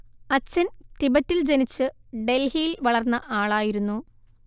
അച്ഛൻ തിബറ്റിൽ ജനിച്ച് ഡൽഹിയിൽ വളർന്ന ആളായിരുന്നു